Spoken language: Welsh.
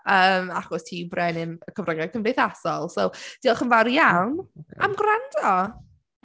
Yym, achos ti yw brenin y cyfryngau cymdeithasol so diolch yn fawr iawn am gwrando.